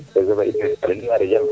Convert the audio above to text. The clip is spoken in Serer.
reseau fee i yaare jam